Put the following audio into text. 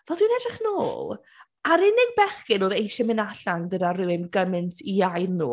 Fel dwi’n edrych nôl, a’r unig bechgyn oedd eisiau mynd allan gyda rhywun gymaint iau na nhw...